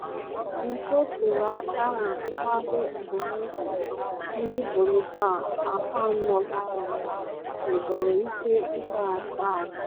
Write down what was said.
Nke tere aka na ịkwado ebumnuche ndị Bolivia, afọ anọ gara aga nwegoro ike ịdọghachi azụ.